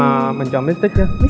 à mình chọn mít tích nhé